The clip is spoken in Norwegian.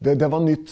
det det var nytt.